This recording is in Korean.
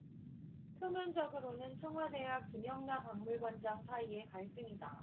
표면적으로는 청와대와 김영나 박물관장 사이의 갈등이다